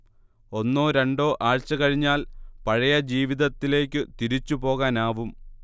ഒന്നോ രണ്ടോ ആഴ്ച കഴിഞ്ഞാൽ പഴയ ജീവിതത്തിലേക്കു തിരിച്ചു പോകാനാവും